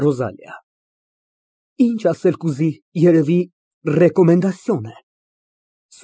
ՌՈԶԱԼԻԱ ֊ Ինչ ասել կուզի, երևելի ռեկոմենդասիոն է։